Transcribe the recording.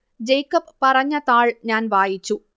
Jacob പറഞ്ഞ താൾ ഞാൻ വായിച്ചു